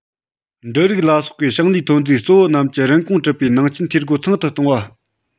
འབྲུ རིགས ལ སོགས པའི ཞིང ལས ཐོན རྫས གཙོ བོ རྣམས ཀྱི རིན གོང གྲུབ པའི ནང རྐྱེན འཐུས སྒོ ཚང དུ གཏོང བ